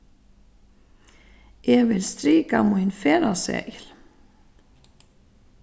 eg vil strika mín ferðaseðil